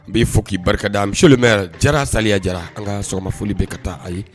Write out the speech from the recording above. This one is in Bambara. N b'i fɔ k'i barika da jara sa jara an ka sɔrɔma kunnafoni bɛ ka taa ayi